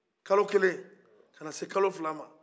kalokelen ka na se kalofila ma